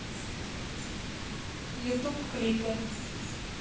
ютуб клипы